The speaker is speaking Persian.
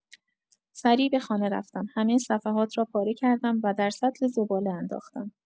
سریع به خانه رفتم، همه صفحات را پاره کردم و در سطل زباله انداختم.